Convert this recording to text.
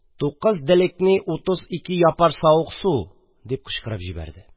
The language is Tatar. Тукыз дешикни утуз ике япар саук су! – дип кычкырып җибәрде.